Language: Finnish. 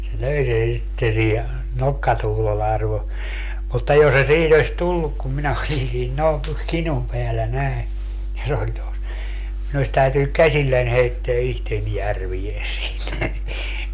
se löi sen sitten siihen nokkatuhdolle arvon mutta jos se siihen olisi tullut kun minä olin siinä noin tuossa kinun päällä näin ja se oli tuossa minun olisi täytynyt käsilläni heittää itseni järveen siitä